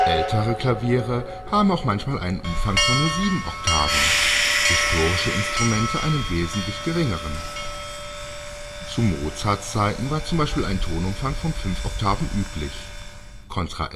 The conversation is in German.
Ältere Klaviere haben auch manchmal einen Umfang von nur 7 Oktaven, historische Instrumente einen wesentlich geringeren. Zu Mozarts Zeiten war z. B. ein Tonumfang von 5 Oktaven üblich (Kontra